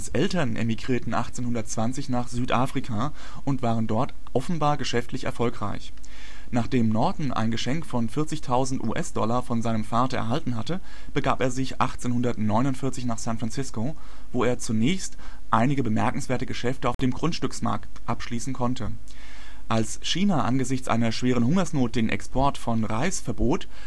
Eltern emigrierten 1820 nach Südafrika und waren dort offenbar geschäftlich erfolgreich. Nachdem Norton ein Geschenk von 40.000 US-Dollar von seinem Vater erhalten hatte, begab er sich 1849 nach San Francisco, wo er zunächst einige bemerkenswerte Geschäfte auf dem Grundstücksmarkt abschließen konnte. Als China angesichts einer schweren Hungersnot den Export von Reis verbot